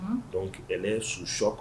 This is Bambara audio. Ɔnhɔn, Donc, elle est sous choc